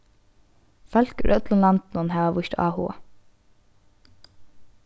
fólk úr øllum landinum hava víst áhuga